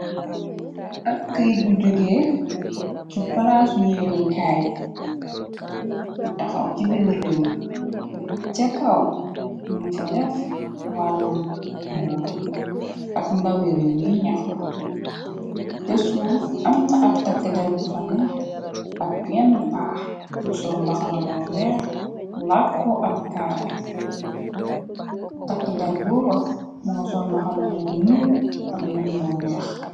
Ab keyit bu jógee ci palaasu yeenikaay, bu taxaw ci bir réew mi, ca kaw nyun fa def wàllum nguur ak ndawi réew yi ñaxtu, cë suuf am na ab takkder bu fane ak benn paa, bu sol mbaxana mo weex, làkkoo ab kaala, takkder booba mu nga sol mbaxana moo nyuul ak mbub moo weex.